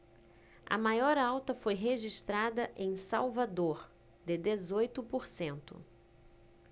a maior alta foi registrada em salvador de dezoito por cento